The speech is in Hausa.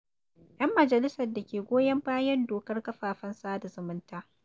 Yan majalisa da ke goyon bayan dokar kafafen sada zumunta